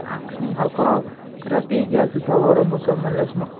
aqshning xalqaro strategiyasi tobora mukammallashmoqda